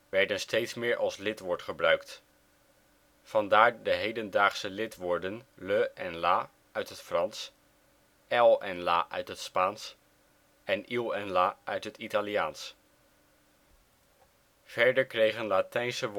werden steeds meer als lidwoord gebruikt. Vandaar de hedendaagse lidwoorden le en la (Frans), el en la (Spaans) en il en la (Italiaans). Verder kregen Latijnse